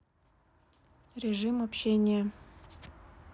режим общения